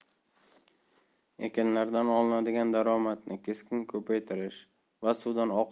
ekinlardan olinadigan daromadni keskin ko'paytirish va suvdan